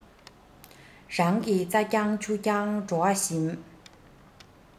རང གི རྩ རྐྱང ཆུ རྐྱང བྲོ བ ཞིམ